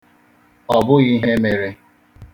Ọ bụghi ihe mere.